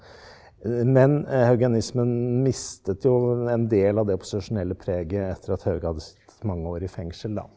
men haugianismen mistet jo en del av det opposisjonelle preget etter at Hauge hadde sittet mange år i fengsel da.